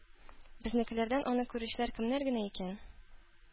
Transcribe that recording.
Безнекеләрдән аны күрүчеләр кемнәр генә икән?